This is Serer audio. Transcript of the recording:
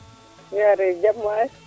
nu yaare jam waay